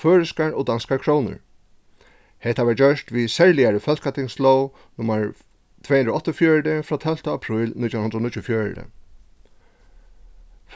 føroyskar og danskar krónur hetta varð gjørt við serligari fólkatingslóg nummar tvey hundrað og áttaogfjøruti frá tólvta apríl nítjan hundrað og níggjuogfjøruti